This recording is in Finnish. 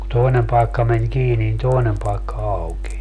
kun toinen paikka meni kiinni niin toinen paikka aukeni